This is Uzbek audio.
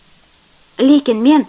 lekin men